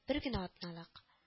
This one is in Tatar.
Бер генә атналык